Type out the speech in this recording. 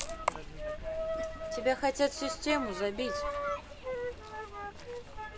тебя хотят систему забить